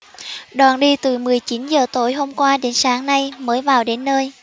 đoàn đi từ mười chín giờ tối hôm qua đến sáng nay mới vào đến nơi